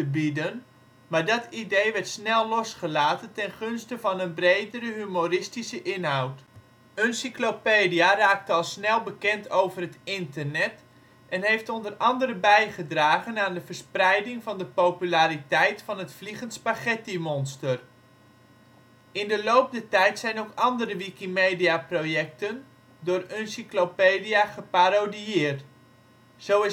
bieden, maar dat idee werd snel losgelaten ten gunste van een bredere humoristische inhoud. Uncyclopedia raakte al snel bekend over het internet, en heeft onder andere bijgedragen aan de verspreiding van de populariteit van het Vliegend Spaghettimonster. In de loop der tijd zijn ook andere Wikimediaprojecten door Uncyclopedia geparodiëerd. Zo